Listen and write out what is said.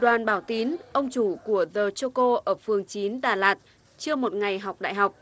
đoàn bảo tín ông chủ của tờ chô cô ở phường chín đà lạt chưa một ngày học đại học